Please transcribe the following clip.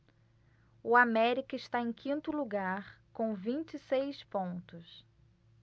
o américa está em quinto lugar com vinte e seis pontos